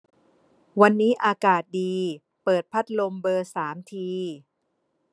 วันนี้อากาศดีเปิดพัดลมเบอร์สามที